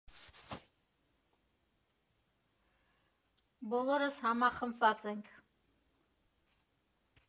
Բոլորս համախմբված ենք։